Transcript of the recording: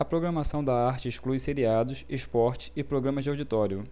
a programação da arte exclui seriados esportes e programas de auditório